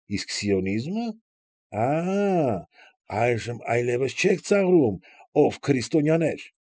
Իսկ սիոնի՜զմը։ Աա՜, այժմ այլևս չե՞ք ծաղրում, ով քրիստոնյաներ։